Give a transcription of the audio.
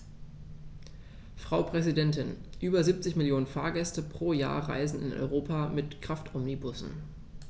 Frau Präsidentin, über 70 Millionen Fahrgäste pro Jahr reisen in Europa mit Kraftomnibussen.